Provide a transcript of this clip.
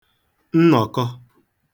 nnọ̀kọ